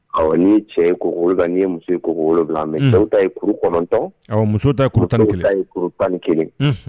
Ɔ n'i ye cɛ koko 7 n'i ye muso ye koko 7 mais cɛw ta ye kuru 9 musow ta kuru 11 , unhun